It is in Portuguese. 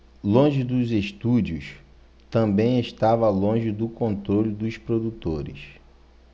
longe dos estúdios também estava longe do controle dos produtores